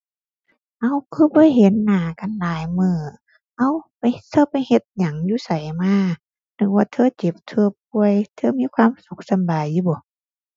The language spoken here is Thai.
เอ้า คือบ่เห็นหน้ากันหลายมื้อ เอ้า ไป เธอไปเฮ็ดหยังอยู่ไสมา นึกว่าเธอเจ็บเธอป่วย เธอมีความสุขสำบายอยู่บ่